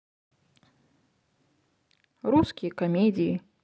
русские комедии